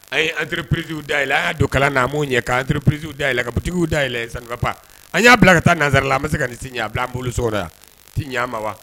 An ye anto peredi day yɛlɛ la a y' don kala namu ɲɛ kan an ppridi dayɛlɛn la ka pki day yɛlɛɛlɛn sanfa an y'a bila ka taa nanzaliri la an bɛ se ka ci ɲɛ a bila bolo sɔrɔ yan ti ɲɛ ma wa